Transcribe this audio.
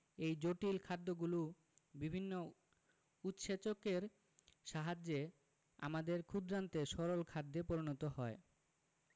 এই জটিল খাদ্যগুলো বিভিন্ন উৎসেচকের সাহায্যে আমাদের ক্ষুদ্রান্তে সরল খাদ্যে পরিণত হয়